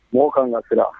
Mɔgɔ kanan kasira